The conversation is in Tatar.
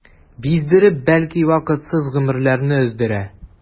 Биздереп, бәлки вакытсыз гомерләрне өздерә.